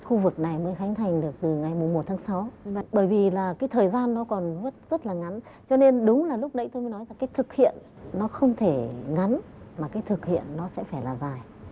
khu vực này mới khánh thành được từ ngày mùng một tháng sáu mà bởi vì là cái thời gian nó còn rất rất là ngắn cho nên đúng là lúc nãy tôi mới nói là cái thực hiện nó không thể ngắn mà cái thực hiện nó sẽ phải là dài